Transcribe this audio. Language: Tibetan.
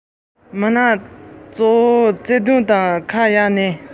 རིག གནས རིག གནས ཞེས པའི ལྕི ཡང